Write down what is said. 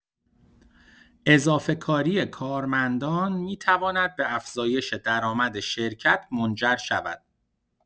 اضافه‌کاری کارمندان می‌تواند به افزایش درآمد شرکت منجر شود.